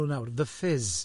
The Fizz.